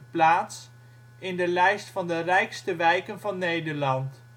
plaats in de lijst van de rijkste wijken van Nederland